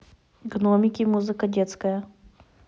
гномики музыка детская